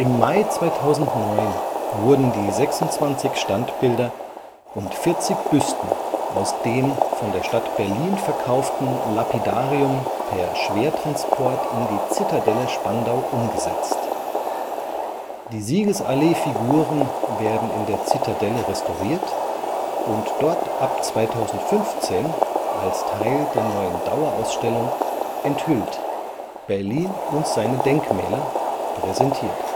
Mai 2009 wurden die 26 Standbilder und 40 Büsten aus dem von der Stadt Berlin verkauften Lapidarium per Schwertransport in die Zitadelle Spandau umgesetzt. Die Siegesallee-Figuren werden in der Zitadelle restauriert und dort ab 2015 als Teil der neuen Dauerausstellung Enthüllt – Berlin und seine Denkmäler präsentiert